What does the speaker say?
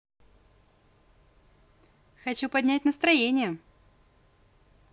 хочу поднять настроение